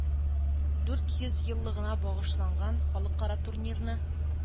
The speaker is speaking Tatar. Дүрт йөз еллыгына багышланган халыкара турнирны